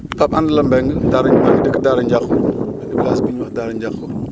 Pape Anla Mbengue Daara maa ngi dëkk Daara Ndiakhoum village bu ñuy wax Daara Ndiakhoum